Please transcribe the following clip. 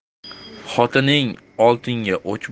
xotining oltinga o'ch